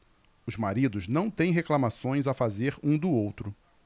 os maridos não têm reclamações a fazer um do outro